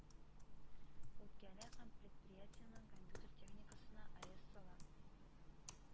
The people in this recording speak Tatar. Үткәрә һәм предприятиенең компьютер техникасына арест сала